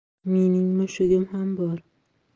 mening mushugim ham bor